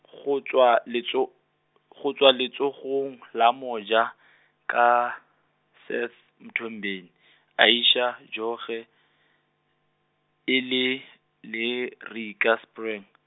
go tswa letso, go tswa letsogong la moja , ka, Seth Mthombeni , Aysha Jogee, e le, le Rika Sprang.